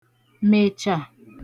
mèchà